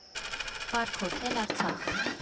Պարկ Հոթել Արցախ։